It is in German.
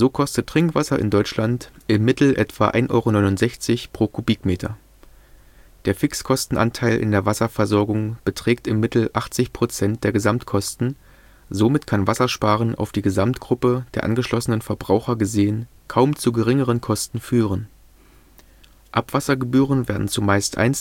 kostet Trinkwasser in Deutschland im Mittel etwa 1,69 Euro pro Kubikmeter. Der Fixkostenanteil in der Wasserversorgung beträgt im Mittel 80 % der Gesamtkosten, somit kann Wassersparen auf die Gesamtgruppe der angeschlossenen Verbraucher gesehen kaum zu geringeren Kosten führen. Abwassergebühren werden zumeist 1:1